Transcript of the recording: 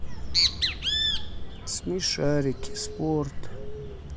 смешарики спорт